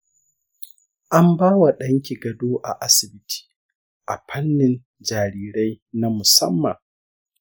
an bawa danki gado a asibiti a fannin jarirai na musamman?